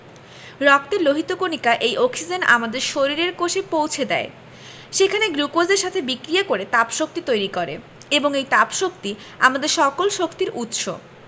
রক্তের লোহিত কণিকা এই অক্সিজেন আমাদের শরীরের কোষে পৌছে দেয় সেখানে গ্লুকোজের সাথে বিক্রিয়া করে তাপশক্তি তৈরি করে এবং এই তাপশক্তি আমাদের সকল শক্তির উৎস